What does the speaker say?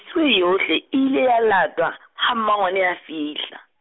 -suwe yohle, ile ya latwa, ha Mmangwane a fihla.